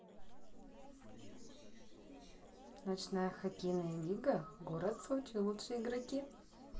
ночная хоккейная лига город сочи лучшие игроки